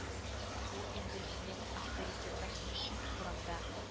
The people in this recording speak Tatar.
Бу инде синең авторитетың өчен урамда